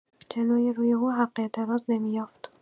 جلوی روی او، حق اعتراض نمی‌یافت.